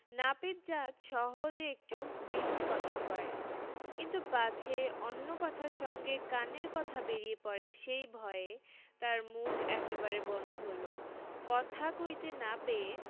নাপিত জাত সহজে একটু বেশী কথা কয় কিন্তু পাছে অন্য কথার সঙ্গে কানের কথা বেরিয়ে পড়ে সেই ভয়ে তার মুখ একেবারে বন্ধ হল কথা কইতে না পেয়ে